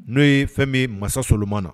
N'o ye fɛn min mansa Soman na.